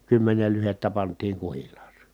kymmenen lyhdettä pantiin kuhilaaseen